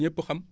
ñépp xam